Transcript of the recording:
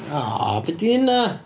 O be 'di hynna?